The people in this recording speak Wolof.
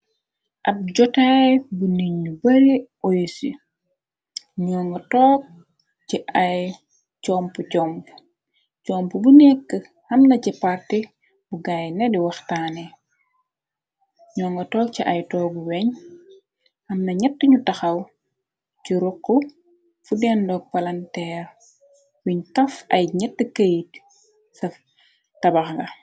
Ab jotaay bu nit ñu bare oyusi , ñu nga toog ci ay compo compo, comp bu nekk amna ci parti bu gaay nedi wax taane , ñu nga toog ci ay toogu weñ, amna ñett ñu taxaw ci rokk fuddeendoog palanteer , ñu kaf ay ñett këyit sa tabax nga.